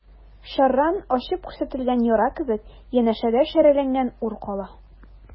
Шәрран ачып күрсәтелгән яра кебек, янәшәдә шәрәләнгән ур кала.